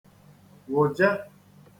wụ̀je